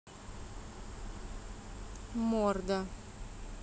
морда